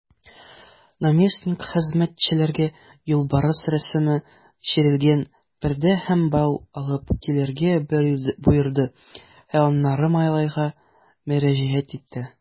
Наместник хезмәтчеләргә юлбарыс рәсеме төшерелгән пәрдә һәм бау алып килергә боерды, ә аннары малайга мөрәҗәгать итте.